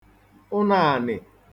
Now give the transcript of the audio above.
ụnāànị̀